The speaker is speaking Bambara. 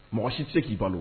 Mɔgɔ si tɛ se k'i bolo